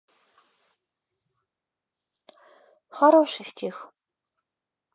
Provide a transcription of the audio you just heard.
хороший стих